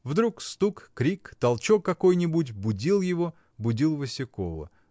Вдруг стук, крик, толчок какой-нибудь будил его, будил Васюкова.